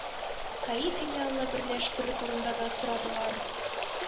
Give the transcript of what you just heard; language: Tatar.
Каи филиалыберләштерү турында да сорадылар.